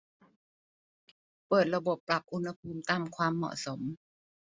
เปิดระบบปรับอุณหภูมิตามความเหมาะสม